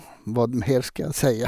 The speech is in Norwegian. Hva mer skal jeg si?